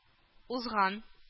Узган